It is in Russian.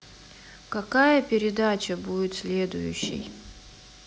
какая передача будет следующей